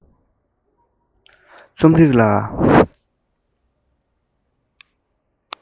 རྩོམ རིག ལ